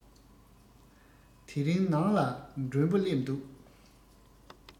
དེ རིང ནང ལ མགྲོན པོ སླེབས འདུག